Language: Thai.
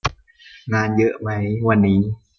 งานเยอะไหมวันนี้